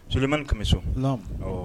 Solilima kɛmɛmi so